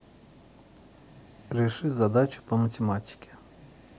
реши задачу по математике